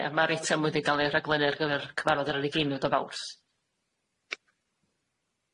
Ie ma'r eitem wedi ga'l ei raglennu ar gyfer cyfarfod yr ugeinfed o faws.